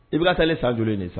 I bɛ taa ne sanj nin sa